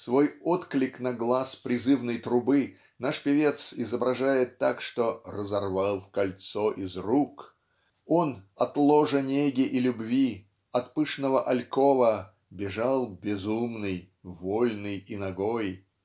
свой отклик на глас призывной трубы наш певец изображает так что "разорвав кольцо из рук" он от ложа неги и любви от пышного алькова бежал "безумный вольный и нагой"